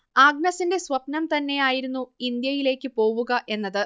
ആഗ്നസിന്റെ സ്വപ്നം തന്നെയായിരുന്നു ഇന്ത്യയിലേക്കു പോവുക എന്നത്